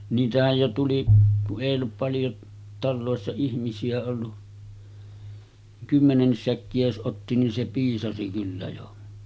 niitähän jo tuli kun ei ollut paljon taloissa ihmisiä ollut kymmenenkin säkkiä jos otti niin se piisasi kyllä jo